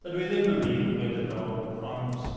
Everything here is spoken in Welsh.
Dydw i ddim yn ddŷn gwleidyddol, ond...